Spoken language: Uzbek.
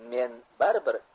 men baribir